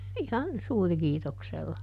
ihan suurikiitoksella